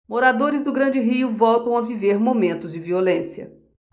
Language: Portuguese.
moradores do grande rio voltam a viver momentos de violência